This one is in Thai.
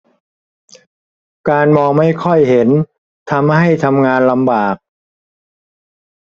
การมองไม่ค่อยเห็นทำให้ทำงานลำบาก